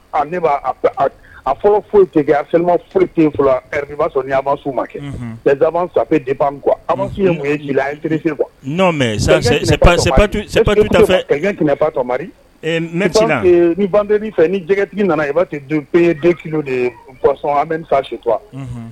A fɔlɔ foyima foyi'a sɔn ma su ma kɛsaban fafe de ban a ma ye mun ji kuwa kɛmɛtomari ne ni ban fɛ ni jɛgɛtigi nana i b'a to den pe ye den ki de yesɔn an bɛ taa su